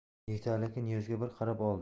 yigitali aka niyozga bir qarab oldi